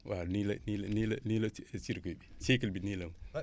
waaw nii la nii la nii la nii la nii la cir circuit bi cycle bi nii la